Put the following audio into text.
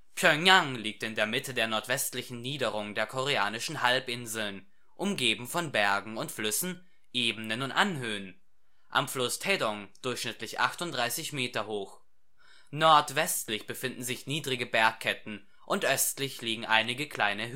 Pjöngjang liegt in der Mitte der nordwestlichen Niederung der Koreanischen Halbinsel, umgeben von Bergen und Flüssen, Ebenen und Anhöhen, am Fluss Taedong durchschnittlich 38 m hoch. Nordwestlich befinden sich niedrige Bergketten, und östlich liegen einige kleine